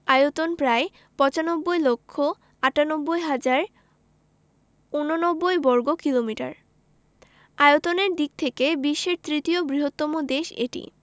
আয়তন প্রায় ৯৫ লক্ষ ৯৮ হাজার ৮৯ বর্গকিলোমিটার আয়তনের দিক থেকে বিশ্বের তৃতীয় বৃহত্তম দেশ এটি